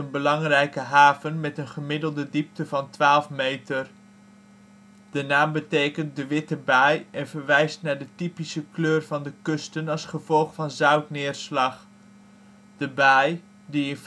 belangrijke haven met een gemiddelde diepte van 12 meter. De naam betekent de Witte Kust en verwijst naar de typische kleur van de kusten als gevolg van zoutneerslag. De baai, die in feite